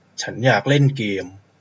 ฉันอยากเล่นเกม